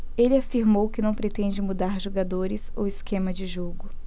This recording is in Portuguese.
ele afirmou que não pretende mudar jogadores ou esquema de jogo